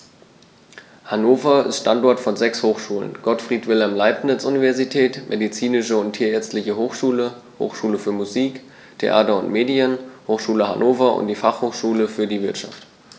Hannover ist Standort von sechs Hochschulen: Gottfried Wilhelm Leibniz Universität, Medizinische und Tierärztliche Hochschule, Hochschule für Musik, Theater und Medien, Hochschule Hannover und die Fachhochschule für die Wirtschaft.